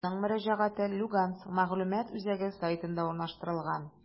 Аның мөрәҗәгате «Луганск мәгълүмат үзәге» сайтында урнаштырылган.